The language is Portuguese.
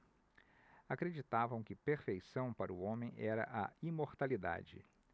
acreditavam que perfeição para o homem era a imortalidade